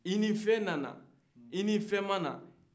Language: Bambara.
inin fɛn nana inin fɛn mana